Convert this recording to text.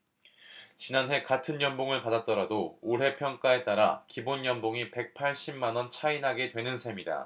지난해 같은 연봉을 받았더라도 올해 평가에 따라 기본연봉이 백 팔십 만원 차이 나게 되는 셈이다